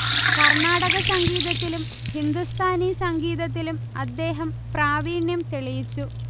കര്ണാടക സംഗീതത്തിലും ഹിന്ദുസ്ഥാനി സംഗീതത്തിലും അദ്ദേഹം പ്രാവീണ്യം തെളിയിച്ചു